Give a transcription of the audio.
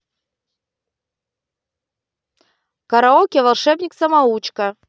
караоке волшебник самоучка